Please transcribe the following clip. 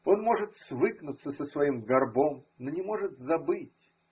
Он может свыкнуться со своим горбом, но не может забыть.